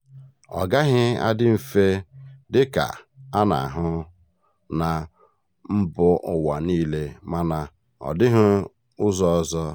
Ọgaghị adị mfe dịka a na-ahụ na mbaụwa niile, mana ọdịghị ụzọ ọzọ.